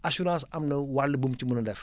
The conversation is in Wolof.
assurance am na wàll bum ci mun a def